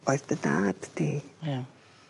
...oedd dy dad di. Ia.